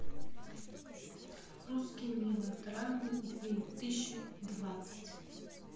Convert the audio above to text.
русские мелодрамы две тысячи двадцать